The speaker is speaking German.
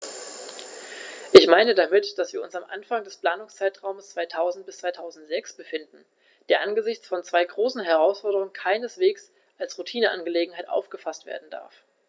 Ich meine damit, dass wir uns am Anfang des Planungszeitraums 2000-2006 befinden, der angesichts von zwei großen Herausforderungen keineswegs als Routineangelegenheit aufgefaßt werden darf.